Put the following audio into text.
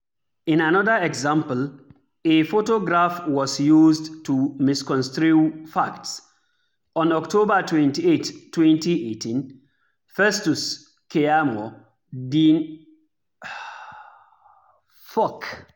In another example, a photograph was used to misconstrue facts. On October 28, 2018, Festus Keyamo, then-media director of the Buhari Campaign Organisation, tweeted an image (Figure 1) of a tree growing between an apparently abandoned Nigerian rail track: